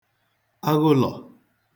aghụlọ̀